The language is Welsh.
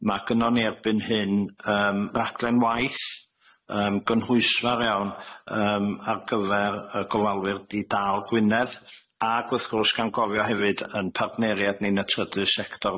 Ma' gynnon ni erbyn hyn yym raglen waith yym gynhwysfar iawn yym ar gyfer yy gofalwyr di-dal Gwynedd ag wrth gwrs gan gofio hefyd yn partneriad ni'n y trydydd sector,